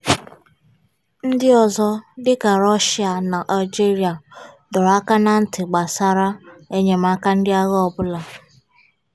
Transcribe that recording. Ndị ọzọ, dị ka Rushia na Algeria, dọrọ aka na ntị gbasara enyemaka ndị agha ọbụla.